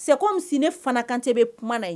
Seko mi ne fana kantɛ bɛ kuma na in